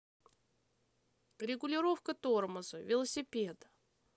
регулировка тормоза велосипеда